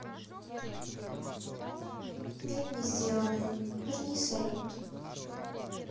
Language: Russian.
нет не сделана верни салют